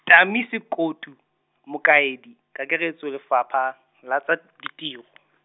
Tami Sokutu, mokaedi kakaretso Lefapha, la tsa ditiro.